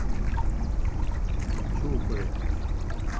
suðurkorea